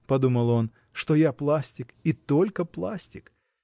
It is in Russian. — подумал он, — что я пластик — и только пластик.